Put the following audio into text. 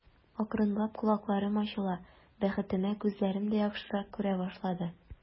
Акрынлап колакларым ачыла, бәхетемә, күзләрем дә яхшырак күрә башлады.